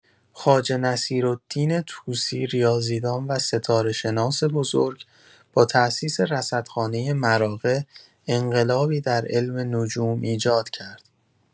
خواجه نصیرالدین طوسی، ریاضیدان و ستاره‌شناس بزرگ، با تأسیس رصدخانه مراغه، انقلابی در علم نجوم ایجاد کرد.